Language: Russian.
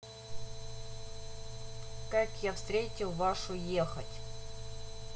как я встретил вашу ехать